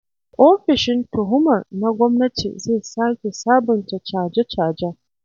Ofishin Tuhumar na Gwamnati zai sake sabunta caje-cajen.